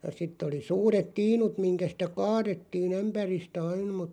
ja sitten oli suuret tiinut mihin sitä kaadettiin ämpäristä aina mutta